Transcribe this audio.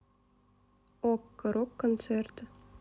окко рок концерты